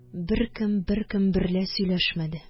Беркем беркем берлә сөйләшмәде.